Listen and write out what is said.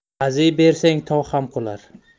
qaziybersang tog' ham qular